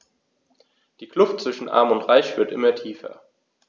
Die Kluft zwischen Arm und Reich wird immer tiefer.